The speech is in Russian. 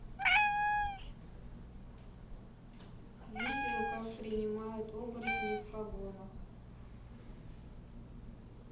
видео как принимают оборотни в погонах